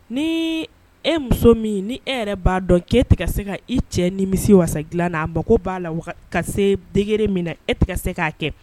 Ni e muso min ni e yɛrɛ ba dɔn ke ti ka se ka i cɛ nimisi wa gilan na, a mago ba la ka se degere min na e ti ka se ka kɛ